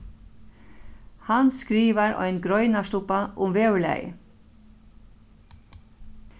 hann skrivar ein greinarstubba um veðurlagið